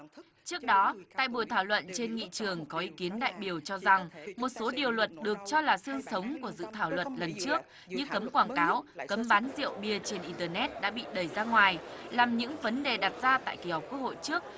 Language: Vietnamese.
trước đó tại buổi thảo luận trên nghị trường có ý kiến đại biểu cho rằng một số điều luật được cho là xương sống của dự thảo luật lần trước như cấm quảng cáo cấm bán rượu bia trên in tơ nét đã bị đẩy ra ngoài làm những vấn đề đặt ra tại kỳ họp quốc hội trước